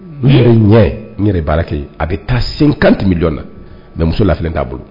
Unhun n yɛrɛ ɲɛ n yɛrɛ ye baara kɛ ye a bɛ taa se 4 millions mais muso lafiyalen t'a bolo